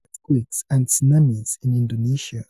Earthquakes and tsunamis in Indonesia